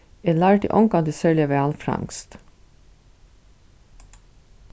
eg lærdi ongantíð serliga væl franskt